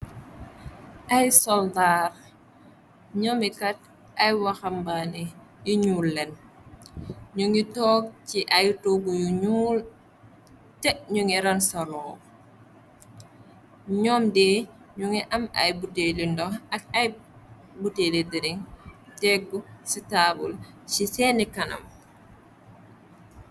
Ay soldaar nyumit nak ay waxambaane yu ñuul len ñungi togg ci ay togu yu ñuul te ñungi ran saloo ñom de ñungi am ay botali ndox ak ay botali drink tegu si taabul ci seni kanam.